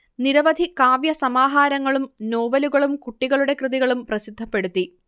നിരവധി കാവ്യ സമാഹാരങ്ങളും നോവലുകളും കുട്ടികളുടെ കൃതികളും പ്രസിദ്ധപ്പെടുത്തി